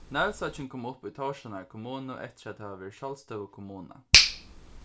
nólsoyggin kom upp í tórshavnar kommunu eftir at hava verið sjálvstøðug kommuna